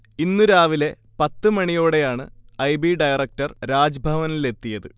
ഇന്നു രാവിലെ പത്തു മണിയോടെയാണ് ഐ. B director രാജ്ഭവനിലെത്തിയത്